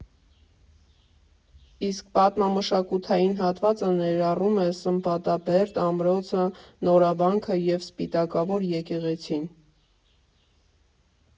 Իսկ պատմամշակութային հատվածը ներառում է Սմբատաբերդ ամրոցը, Նորավանքը և Սպիտակավոր եկեղեցին։